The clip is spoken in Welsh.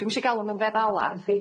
Dwi'm isio galw nw'n feddala.